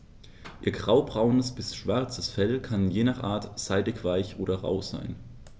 Ihr graubraunes bis schwarzes Fell kann je nach Art seidig-weich oder rau sein.